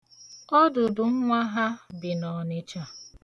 Ọdụdụ nwa ha bi n'Ọnịcha.